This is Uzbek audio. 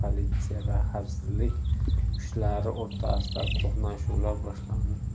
politsiya va xavfsizlik kuchlari o'rtasida to'qnashuvlar boshlandi